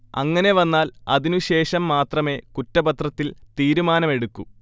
അങ്ങനെ വന്നാൽ അതിന് ശേഷം മാത്രമേ കുറ്റപത്രത്തിൽ തീരുമാനമെടുക്കൂ